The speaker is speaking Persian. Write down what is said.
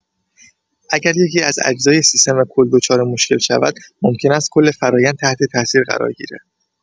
اگر یکی‌از اجزای سیستم کل دچار مشکل شود، ممکن است کل فرآیند تحت‌تاثیر قرار گیرد.